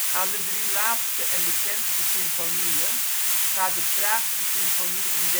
Aan de drie laatste en bekendste symfonieën gaat de " Praagse " symfonie in